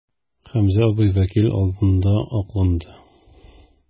Хәмзә абый вәкил алдында акланды.